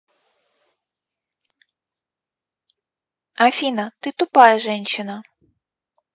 афина ты тупая женщина